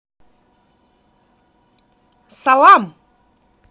салам